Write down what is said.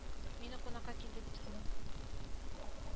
Поезд туктарга тотынды.